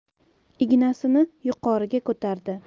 ignasini yuqoriga ko'tardi